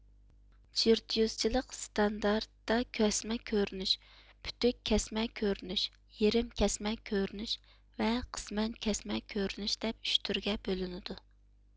چىرتيوژچىلىق ستاندارتدا كەسمە كۆرۈنۈش پۈتۈك كەسمە كۆرۈنۈش يېرىم كەسمە كۆرۈنۈش ۋە قىسمەن كەسمە كۆرۈنۈش دەپ ئۈچ تۈرگە بۆلۈنىدۇ